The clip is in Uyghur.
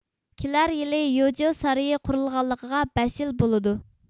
كېلەر يىلى يوجيۇ سارىيى قۇرۇلغانلىقىغا بەش يىل بولىدۇ